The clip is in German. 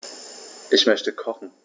Ich möchte kochen.